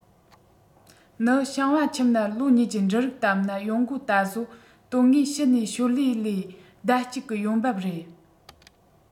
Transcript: ནི ཞིང པ ཁྱིམ ན ལོ གཉིས ཀྱི འབྲུ རིགས བཏབ ན ཡོང སྒོ ད གཟོད དོན དངོས ཕྱི ནས ཞོར ལས ལས ཟླ གཅིག གི ཡོང འབབ རེད